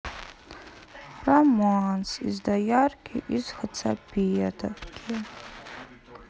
романс из доярки из хацапетовки